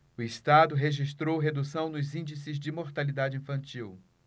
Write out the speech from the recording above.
o estado registrou redução nos índices de mortalidade infantil